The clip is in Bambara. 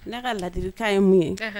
N'a ka ladilika ye mun ye